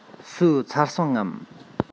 ཟོས ཚར སོང ངམ